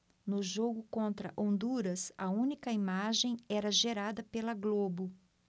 no jogo contra honduras a única imagem era gerada pela globo